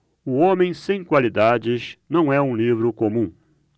o homem sem qualidades não é um livro comum